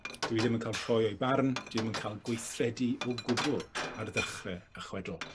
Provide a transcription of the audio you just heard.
Dyw 'i ddim yn ca'l rhoi o'i barn, dyw 'i'm yn ca'l gweithredu o gwbwl ar ddechre y chwedl.